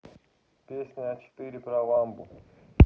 песня а четыре про ламбу